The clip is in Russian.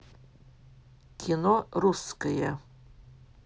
кино русское